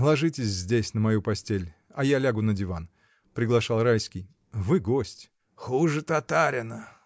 — Ложитесь здесь, на мою постель: а я лягу на диван, — приглашал Райский, — вы гость. — Хуже татарина.